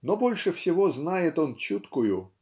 но больше всего знает он чуткую